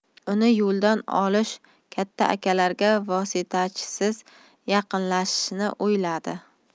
uni yo'ldan olish katta akalarga vositachisiz yaqinlashishni o'yladi